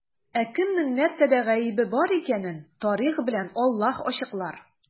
Ә кемнең нәрсәдә гаебе бар икәнен тарих белән Аллаһ ачыклар.